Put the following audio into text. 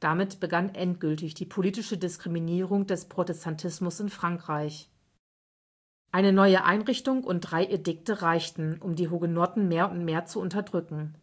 Damit begann endgültig die politische Diskriminierung des Protestantismus in Frankreich. Eine neue Einrichtung und drei Edikte reichten, um die Hugenotten mehr und mehr zu unterdrücken: